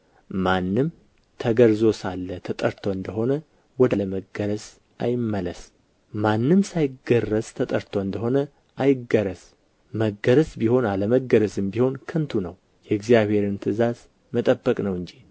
ማንም ተገርዞ ሳለ ተጠርቶ እንደ ሆነ ወደ አለመገረዝ አይመለስ ማንም ሳይገረዝ ተጠርቶ እንደ ሆነ አይገረዝ መገረዝ ቢሆን አለመገረዝም ቢሆን ከንቱ ነው የእግዚአብሔርን ትእዛዝ መጠበቅ ነው እንጂ